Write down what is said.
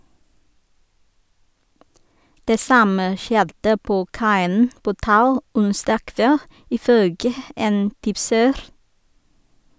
Det samme skjedde på kaien på Tau onsdag kveld, ifølge en tipser.